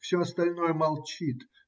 Все остальное молчит.